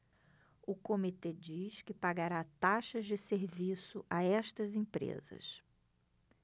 o comitê diz que pagará taxas de serviço a estas empresas